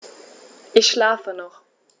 Ich schlafe noch.